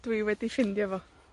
Dwi wedi ffindio fo.